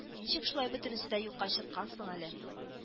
Ничек шулай бөтенесе дә юкка чыккан соң әле